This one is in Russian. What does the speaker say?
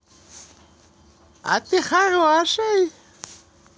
а ты хороший